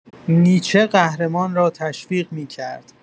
نیچه قهرمان را تشویق می‌کرد.